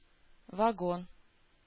Вагон